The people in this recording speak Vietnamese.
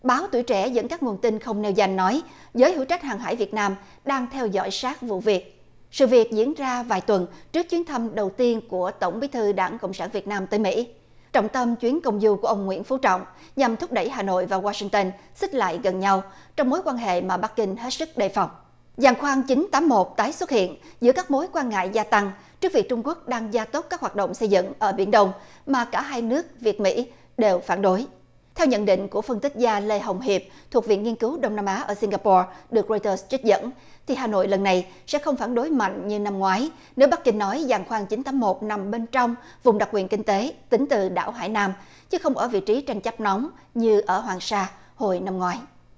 báo tuổi trẻ dẫn các nguồn tin không nêu danh nói giới hữu trách hàng hải việt nam đang theo dõi sát vụ việc sự việc diễn ra vài tuần trước chuyến thăm đầu tiên của tổng bí thư đảng cộng sản việt nam tại mỹ trọng tâm chuyến công du của ông nguyễn phú trọng nhằm thúc đẩy hà nội và goa sinh tơn xích lại gần nhau trong mối quan hệ mà bắc kinh hết sức đề phòng giàn khoan chín tám một tái xuất hiện giữa các mối quan ngại gia tăng trước việc trung quốc đang gia tốc các hoạt động xây dựng ở biển đông mà cả hai nước việt mỹ đều phản đối theo nhận định của phân tích dài lê hồng hiệp thuộc viện nghiên cứu đông nam á ở sinh ga po được roai tơ trích dẫn thì hà nội lần này sẽ không phản đối mạnh như năm ngoái nếu bắc kinh nói giàn khoan chín tám một nằm bên trong vùng đặc quyền kinh tế tính từ đảo hải nam chứ không ở vị trí tranh chấp nóng như ở hoàng sa hồi năm ngoái